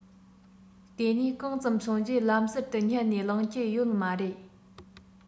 དེ ནས གང ཙམ སོང རྗེས ལམ ཟུར དུ ཉལ ནས ལངས ཀྱི ཡོད མ རེད